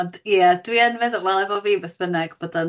Ond ie dwi yn meddwl wel efo fi beth bynnag bod o'n